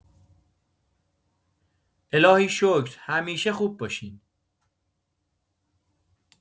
الهی شکر همیشه خوب باشین